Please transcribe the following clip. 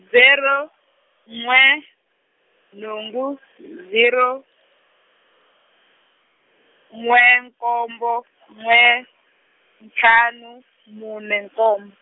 zero, n'we, nhungu, zero, n'we nkombo , n'we, ntlhanu mune nkomb-.